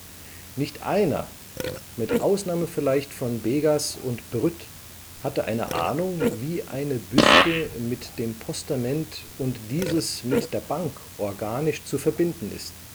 …] Nicht einer, mit Ausnahme vielleicht von Begas und Brütt, hatte eine Ahnung, wie eine Büste mit dem Postament und dieses mit der Bank organisch zu verbinden ist